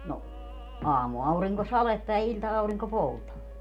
no aamuaurinko sadetta ja ilta-aurinko poutaa